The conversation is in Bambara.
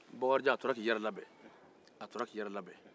bokarijan a tola k'i yɛrɛ labɛn a tola k'i yɛrɛ labɛn